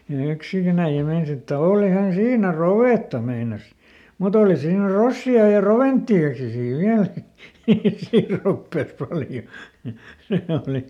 ja ja yksikin äijä meinasi että olihan siinä rovetta meinasi mutta oli siinä rossia ja roventtiakin siinä vielä siinä ropeessa paljon